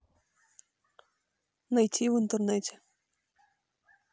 найти в интернете